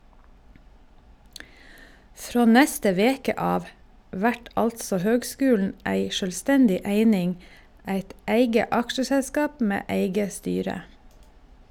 Frå neste veke av vert altså høgskulen ei sjølvstendig eining, eit eige aksjeselskap med eige styre.